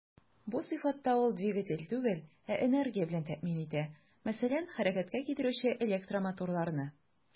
Бу сыйфатта ул двигатель түгел, ә энергия белән тәэмин итә, мәсәлән, хәрәкәткә китерүче электромоторларны.